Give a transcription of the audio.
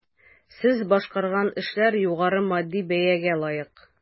Сез башкарган эшләр югары матди бәягә лаек.